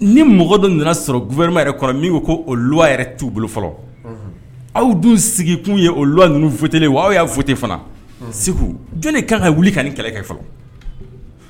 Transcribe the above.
Ni mɔgɔ dɔ nana sɔrɔ gɛ kɔnɔ min ko ko t tuu bolo fɔlɔ aw dun sigi tun ye o aw'a segu jɔn ka ka wuli ka kɛlɛ kɛ